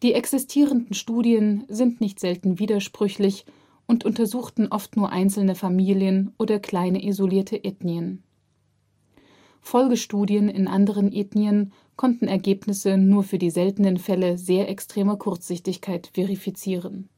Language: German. existierenden Studien sind nicht selten widersprüchlich und untersuchten oft nur einzelne Familien oder kleine isolierte Ethnien. Folgestudien in anderen Ethnien konnten Ergebnisse nur für die seltenen Fälle sehr extremer Kurzsichtigkeit verifizieren